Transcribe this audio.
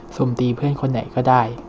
สุ่มตีเพื่อนคนไหนก็ได้